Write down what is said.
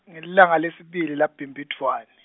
ngelilanga lesibili laBhimbidvwane.